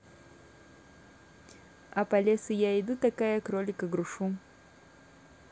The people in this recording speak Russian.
а по лесу я иду такая кролика грушу